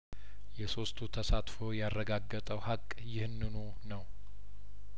የሶስቱ ተሳትፎ ያረጋገጠው ሀቅ ይህንኑ ነው